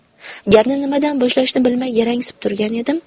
gapni nimadan boshlashni bilmay garangsib turgan edim